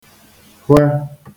kwē